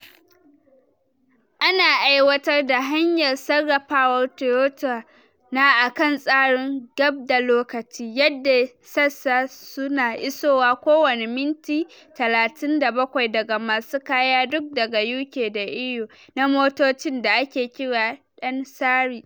Ana aiwatar da hanyar sarrafawar Toyota na akan tsarin “gab-da-lokaci”, yadda sassa su na isowa ko wani minti 37 daga masu kaya duk daga UK da EU na motocin da ake kira dan sari.